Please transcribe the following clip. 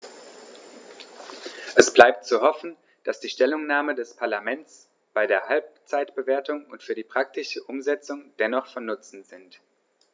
Es bleibt zu hoffen, dass die Stellungnahmen des Parlaments bei der Halbzeitbewertung und für die praktische Umsetzung dennoch von Nutzen sind.